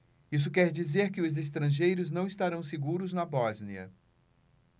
isso quer dizer que os estrangeiros não estarão seguros na bósnia